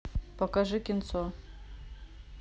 покажи кинцо